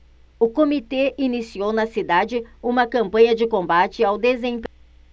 o comitê iniciou na cidade uma campanha de combate ao desemprego